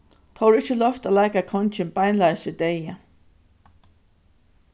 tó er ikki loyvt at leika kongin beinleiðis í deyða